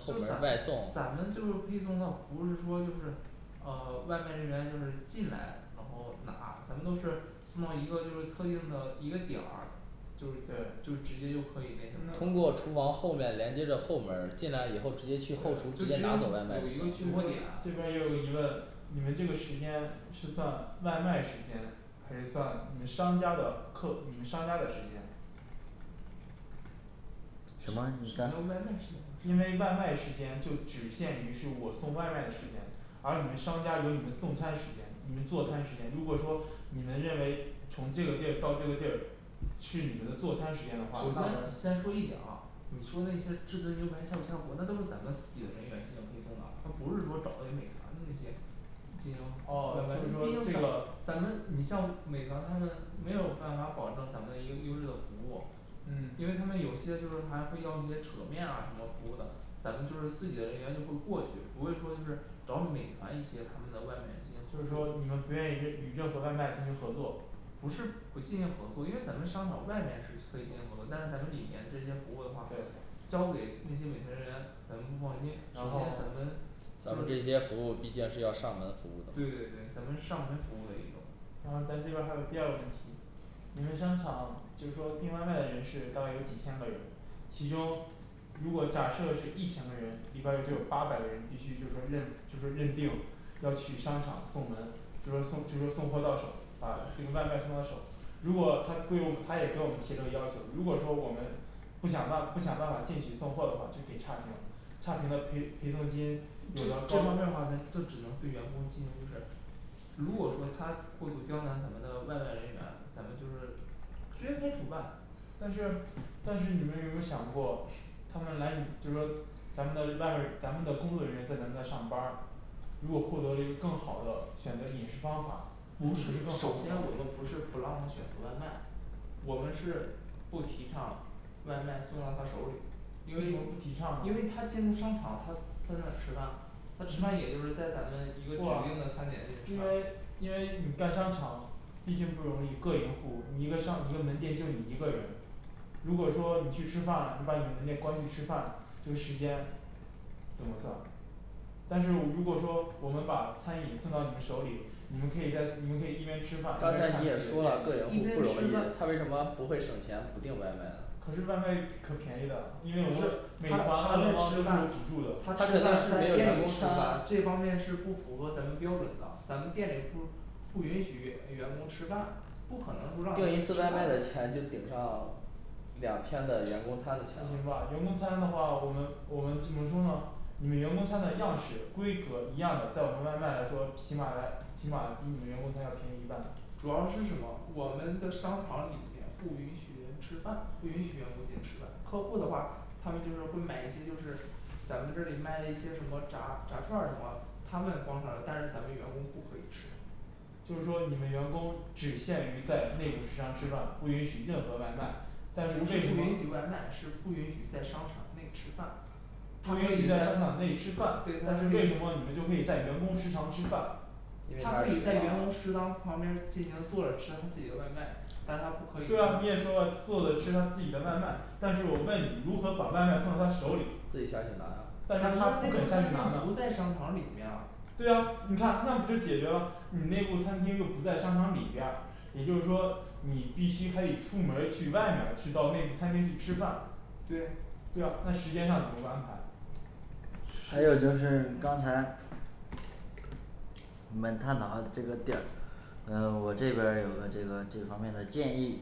就咱们咱们就是配送到不是说就是呃外卖人员就是进来然后拿咱们都是这么一个就是特定的一个点儿就是对就直接就可以那什么通过厨房后面连接着后门儿进来以后直接去后厨直接拿走外卖这边儿也有个疑问你们这个时间是算外卖时间还是算你们商家的客你们商家的时间什么什么你叫刚外卖时因间为外卖时间就只限于是我送外卖的时间而你们商家有你们送餐时间你们做餐时间如果说你们认为从这个地儿到这个地儿是你们的做餐时间的话那首我先们先说一点啊你说那些至尊牛排呷哺呷哺那都是咱们自己的人员进行配送的他不是说找的美团那些进行啊外卖就毕是竟咱说 这个咱们你像美团他们没有办法保证咱们一个优质的服务因嗯为他们有些就是还会要一些扯面啊什么服务的咱们就是自己的人员就会过去不会说就是找美团一些他们的外卖进行所以说你们不愿意与任何外卖进行合作不是不进行合作因为咱们商场外面是可以进行合作但是咱们里面这些服务的话对交给那些美团人员咱们不放心然首后先咱们咱们这就是些服务毕竟是要上门服务的对对对咱们上门服务的一种然后咱这边儿还有第二个问题你们商场就是说订外卖的人士大概有几千个人其中如果假设是一千个人里边儿只有八百个人必须就是说认就是认定这这方面的话咱就只能对员工进行就是如果说他过度刁难咱们的外卖人员咱们就是直接可以处办但是但是你们有没有想过他们来你就是说咱们的外卖咱们的工作人员在咱们那儿上班儿如果获得了一个更好的选择饮食方法首先我们不是不让他选择外卖我们是不提倡外卖送到他手里因为什为么不提倡因为他呢进入商场他在那儿吃饭他只能也就是在咱们的一个不啊指定的餐点进行因为吃饭因为你干商场毕竟不容易个营户你一个上一个门店就你一个人如果说你去吃饭你把你门店关闭吃饭这个时间怎么算但是如果说我们把餐饮送到你们手里你们可以在你们可以一边吃饭刚才你也说一边吃了个营户不容易他饭为什么不会省钱不订外卖可呢，是外卖可便宜的不是因为我们美他团他外卖会有在吃饭补助他他的吃肯定饭是是没在有店员工里吃餐饭这方面是不符合咱们标准的咱们店里不不允许员员工吃饭不可能就订一说次外卖的钱就顶上两天的员工餐的钱了员工餐的话我们我们怎么说呢你们员工餐的样式规格一样的在我们外卖来说起码来起码比你的员工餐要便宜一半主要是什么我们的商场里面不允许人吃饭不允许员工进行吃饭客户的话他们就是会买一些就是咱们这里卖了一些什么炸炸串儿什么他们但是咱们员工不可以吃就是说你们员工只限于在内部食堂吃饭不允许任何外卖但是不是为什么允许外卖是不允许在商场内吃饭不允许在商场内吃饭对但是他为什么你们就可以在员工食堂吃饭因为它是食堂啊但是他不可以对啊你也说了坐着吃他自己的外卖但是我问你如何把外卖送到他手里自己下去拿啊但是他不肯下去拿呢对啊你看那不就解决了你内部餐厅又不在商场里边儿也就是说你必须还得出门去外面儿去到内部餐厅去吃饭对呀对呀那时间上怎么安排还有就是刚才你们探讨的这个点儿嗯 我这边儿有个这个这方面的建议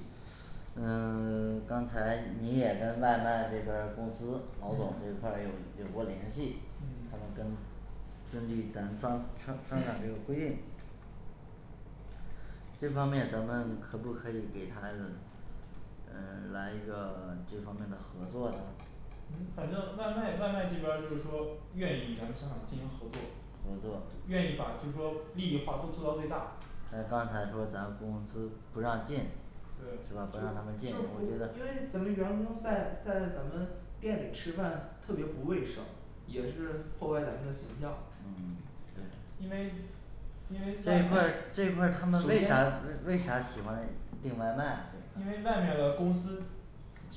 嗯 刚才你也跟外卖这边儿公司老总嗯这块儿有有过联系他们嗯跟这方面咱们可不可以给他一个嗯 来一个这方面的合作呢嗯反正外卖外卖这边儿就是说愿意与咱们商场进行合作合作愿意把就是说利益化都做到最大那刚才说咱们公司不让进是就就对吧不让他们进不我觉得因为咱们员工在在咱们店里吃饭特别不卫生也是破坏咱们的形象嗯对因为因为这外块儿面这块儿他们首为先啥为啥喜欢订外卖因这块儿为外面的公司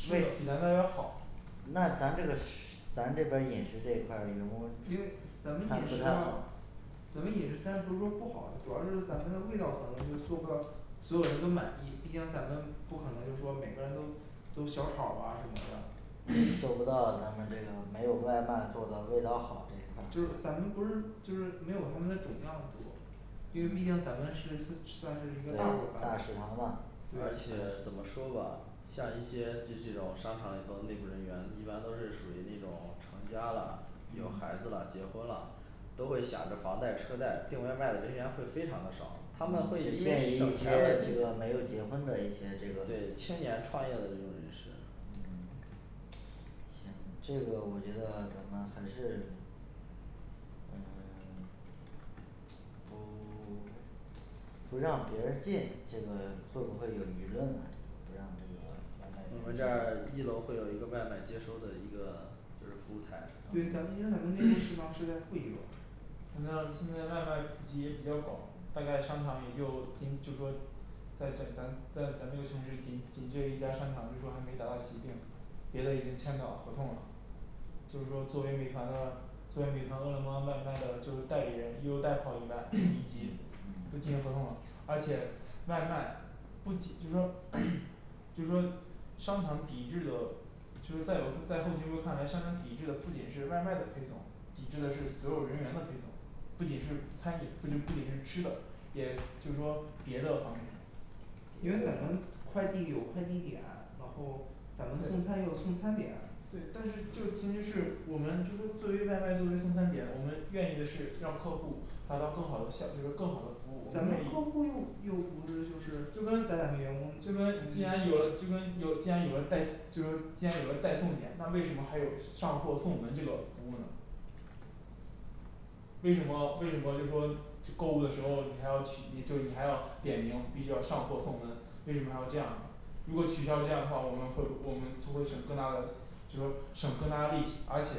比咱这儿要好那咱这个食 咱这边儿饮食这一块儿员工咱们饮食咱们饮食餐不是说不好主要是咱们的味道可能就做不到所有人都满意毕竟咱们不可能就说每个人都都小炒儿啊什么的做不到咱们这个没有外卖做的味道好这就一块儿是咱们不是就是没有他们的种样多因为毕竟咱们是算是一对个大锅饭大食堂嘛而且对怎么说吧像一些就是这种商场里头的内部人员一般都是属于那种成家了有孩嗯子了结婚了都会想着房贷车贷订外卖的人员会非常的少他们会因为省钱问题对青年创业的这种人士嗯 行这个我觉得咱们还是嗯 都 不让别人进这个会不会有舆论啊不让这个外我卖们这人员儿一进楼会有一个外卖接收的一个就是服务台对咱们因为咱们内部食堂是在负一楼我们要现在外卖普及也比较广大概商场里就就是说在这咱在咱这个城市仅仅这一家商场就说还没达到协定别的已经签到合同了就是说作为美团的作为美团饿了吗外卖的就是代理人业务代考以外以及嗯就进行嗯合同了而且外卖不仅就是说 就是说商场抵制的就是在在后勤部看来商场抵制的不仅是外卖的配送抵制的是所有人员的配送不仅是餐饮不仅不仅是吃的也就是说别的方面因为咱们快递有快递点然后咱们送餐对有送餐点儿对但是这前提是我们就说作为外卖作为送餐点我们愿意的是让客户达到更好的效就是更好的服务我咱们们可客以户又又不是就是咱就跟们员工就跟既然有了就跟有既然有了代就是说既然有了代送点那为什么还有上货送门这个服务呢为什么为什么就是说购物的时候你还要去你就你还要点名必须要上货送门为什么要这样呢如果取消这样的话我们会我们就会省更大的就说省更大的力而且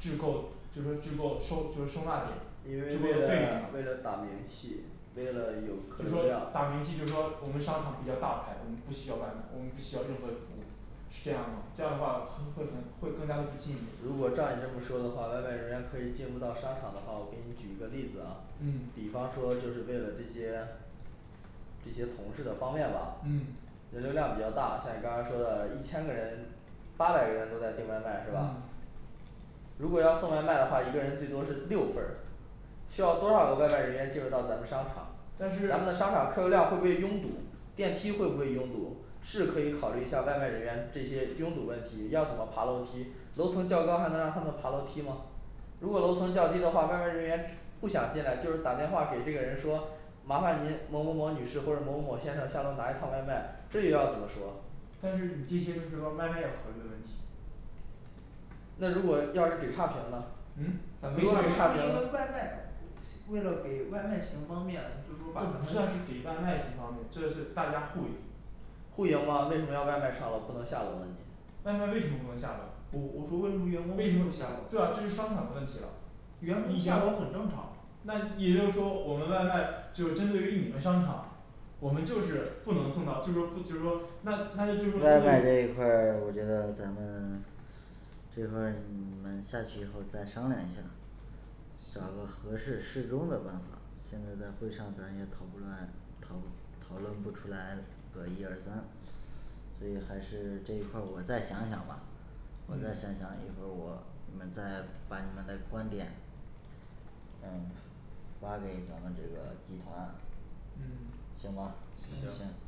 制够就是说制够收就是收纳点因这为为个了费用打为了了打名气为了有客就是说流量打名气就是说我们商场比较大牌我们不需要外卖我们不需要任何服务是这样吗这样的话很会很更加的不亲民如果照你这么说的话外卖人员可以进入到商场的话我给你举一个例子啊嗯比方说就是为了这些这些同事的方便吧嗯人流量比较大像你刚才说的一千个人八百个人都在订外卖是吧嗯如果要送外卖的话一个人最多是六份儿需要多少个外卖人员进入到咱们商场但咱是们的商场客流量会不会拥堵电梯会不会拥堵是可以考虑一下外卖人员这些拥堵问题要怎么爬楼梯楼层较高还能让他们爬楼梯吗如果楼层较低的话外卖人员不想进来就是打电话给这个人说麻烦您某某某女士或者某某某先生下楼拿一趟外卖这个要怎么说但是你这些都是外卖要考虑的问题那如果要是给差评呢嗯不不算是给外卖行方便这是大家互赢互赢吗为什么要外卖上楼不能下楼呢你外卖为什么不能下楼我我说为什么为员工不什么能下对楼呀这是商场的问题了你员工已经下楼很正常外卖这一块儿我觉得咱们 就是说你你们下去以后再商量一下所以还是这一块儿我再想想吧我再嗯想想一会儿我你们再把你们的观点嗯发给咱们这个集团嗯行行